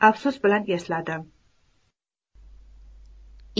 afsus bilan esladim